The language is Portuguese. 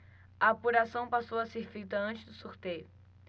a apuração passou a ser feita antes do sorteio